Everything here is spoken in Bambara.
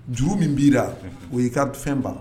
Juru min b'i ra unhun o y'i ka p fɛn ban